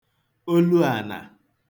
olu ànà